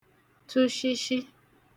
tụshịshị